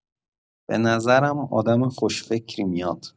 به نظر آدم خوش‌فکری میاد.